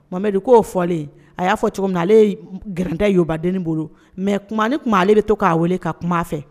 Mabedu koo fɔlen a y'a fɔ cogo min na ale gkɛ yobaden bolo mɛ kuma ni tuma ale bɛ to k'a weele ka kuma fɛ